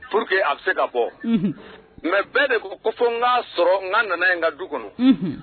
Pourque a bɛ se ka bɔ, unhun, mais bɛɛ de ko, ko fɔ n'ga sɔrɔ, n'ka na na ye n' ga du kɔnɔ. Unhun